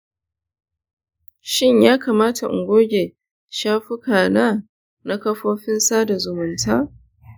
shin ya kamata in goge shafukana na kafofin sada zumunta?